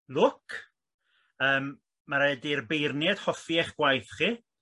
lwc yym ma' raid i'r beirniaid hoffi eich gwaith chi